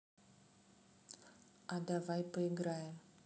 а давай поиграем